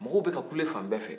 mɔgɔw bɛ ka kule fan bɛɛ fɛ